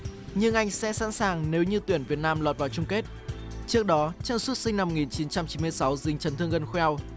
nhưng anh sẽ sẵn sàng nếu như tuyển việt nam lọt vào chung kết trước đó chân sút sinh năm một nghìn chín trăm chín mươi sáu dính chấn thương gân khoeo